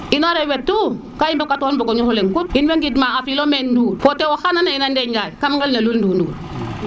ino rewe tout ga i mboka toor mboga ñuxro leŋ kut